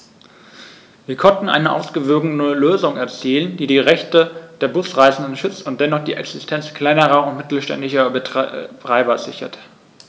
Wir konnten eine ausgewogene Lösung erzielen, die die Rechte der Busreisenden schützt und dennoch die Existenz kleiner und mittelständischer Betreiber sichert.